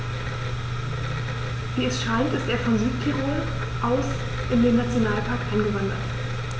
Wie es scheint, ist er von Südtirol aus in den Nationalpark eingewandert.